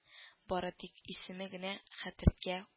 Бары тик исеме генә хәтергә